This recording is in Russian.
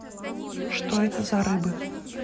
что это за рыбы